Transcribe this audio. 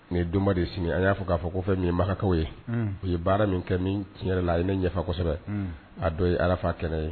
Nin ye donba de ye sini a' y'a fɔ k'a fɔ ko fɛn min ye makankaw ye unhun u ye baara min kɛ min tiɲɛ yɛrɛ la a ye ne ɲɛfa kosɛbɛ unhun a dɔ ye arafa kɛnɛ ye